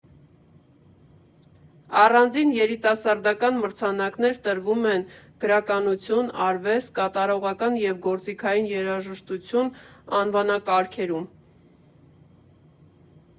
Առանձին երիտասարդական մրցանակներ տրվում են գրականություն, արվեստ, կատարողական և գործիքային երաժշտություն անվանակարգերում։